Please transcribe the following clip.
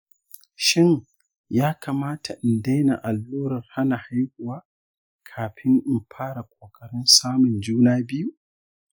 shin ya kamata in daina allurar hana haihuwa kafin in fara ƙoƙarin samun juna biyu?